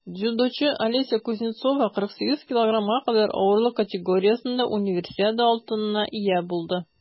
Дзюдочы Алеся Кузнецова 48 кг кадәр авырлык категориясендә Универсиада алтынына ия булды.